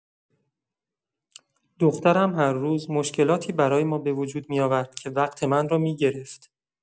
دخترم هر روز مشکلاتی برای ما به‌وجود می‌آورد که وقت من را می‌گرفت.